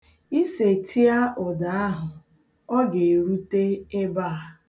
Isetịa ụdọ ahụ, ọ ga-erute ebe a.